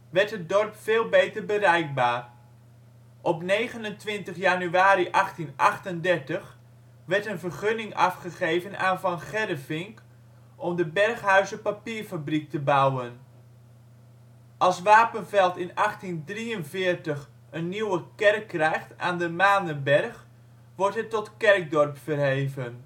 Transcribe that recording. werd het dorp veel beter bereikbaar. Op 29 januari 1838 werd een vergunning afgegeven aan Van Gerrevink om de Berghuizer Papierfabriek te bouwen. Als Wapenveld in 1843 een nieuwe kerk krijgt aan de Manenberg wordt het tot kerkdorp verheven